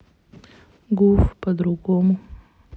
гуф по другому